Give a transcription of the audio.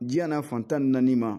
Diɲɛ na fantan ni naani ma